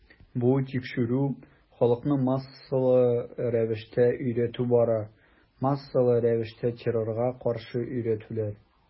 Бу тикшерү, халыкны массалы рәвештә өйрәтү бара, массалы рәвештә террорга каршы өйрәтүләр.